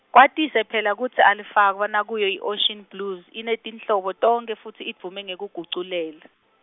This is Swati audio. kwatise phela kutsi alufakwa nakuyo i- Ocean Blues, inetinhlobo tonkhe futsi idvume ngekuguculela.